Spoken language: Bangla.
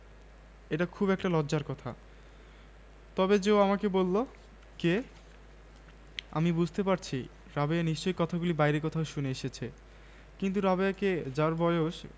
কাল রাতে তার জ্বর এসেছিল বেশ বাড়াবাড়ি রকমের জ্বর বাবা মাঝ রাত্তিরে আমার দরজায় ঘা দিয়েছিলেন আমার ঘুমের ঘোর না কাটতেই শুনলাম তোর কাছে এ্যাসপিরিন আছে খোকা স্বপ্ন দেখছি